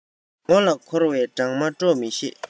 ངོ ལ འཁོར བའི སྦྲང མ དཀྲོག མི ཤེས